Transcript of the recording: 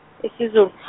isiZul-.